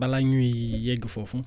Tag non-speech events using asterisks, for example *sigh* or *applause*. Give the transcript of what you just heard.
balaa ñuy *hesitation* yegg foofu